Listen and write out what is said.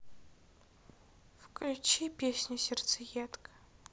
включи песню сердцеедка